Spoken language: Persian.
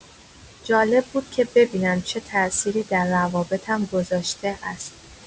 جالب بود که ببینم چه تاثیری در روابطم گذاشته است.